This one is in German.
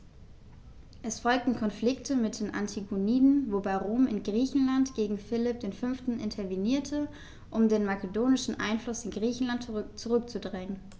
Es folgten Konflikte mit den Antigoniden, wobei Rom in Griechenland gegen Philipp V. intervenierte, um den makedonischen Einfluss in Griechenland zurückzudrängen.